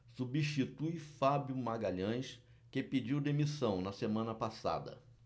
substitui fábio magalhães que pediu demissão na semana passada